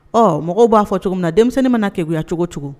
Ɔ mɔgɔw b'a fɔ cogo min na denmisɛnnin mana na kɛya cogo cogo